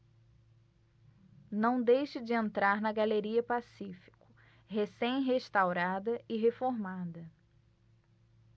não deixe de entrar na galeria pacífico recém restaurada e reformada